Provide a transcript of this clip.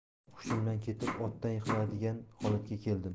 hushimdan ketib otdan yiqiladigan holatga keldim